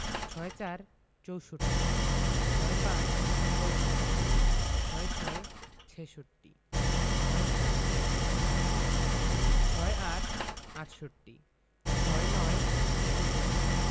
৬৪ – চৌষট্টি ৬৫ – পয়ষট্টি ৬৬ – ছেষট্টি ৬৭ – সাতষট্টি ৬৮ – আটষট্টি ৬৯ – ঊনসত্তর